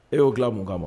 E y'o dilan mun kama ma